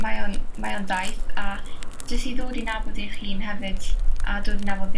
mae o'n mae o'n daith, a jys i ddod i nabod eich hun hefyd, a dod i nabod be'